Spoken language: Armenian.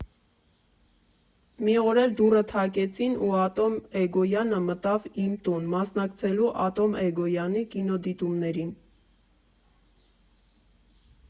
Մի օր էլ դուռը թակեցին, ու Ատոմ Էգոյանը մտավ իմ տուն՝ մասնակցելու Ատոմ Էգոյանի կինոդիտումներին։